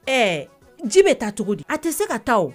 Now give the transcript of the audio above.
Ɛɛ ji bɛ taa cogo di a tɛ se ka taa